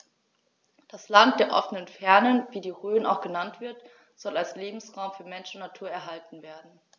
Das „Land der offenen Fernen“, wie die Rhön auch genannt wird, soll als Lebensraum für Mensch und Natur erhalten werden.